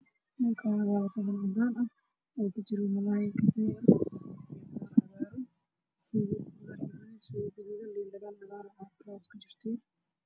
Meeshan meel caddaan ah waxaana yaalo saxan ugu dhex jira malaysid iyo qudaar cagaaran waxaan ag yaala marq iyo liin